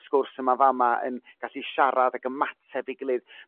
sgwrs yma fama yn gallu siarad ag ymateb 'i gilydd.